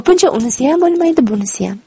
ko'pincha unisiyam bo'lmaydi bunisiyam